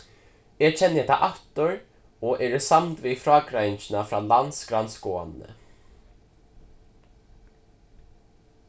eg kenni hetta aftur og eri samd við frágreiðingina frá landsgrannskoðanini